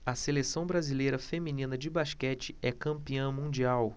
a seleção brasileira feminina de basquete é campeã mundial